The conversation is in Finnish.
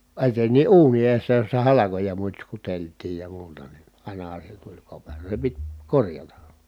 etenkin uuni edessä jossa halkoja mutskuteltiin ja muuta niin ainahan se tuli kopero se piti korjata